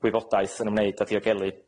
gwybodaeth yn ymwneud â diogelu.